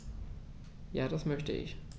Ja, das möchte ich.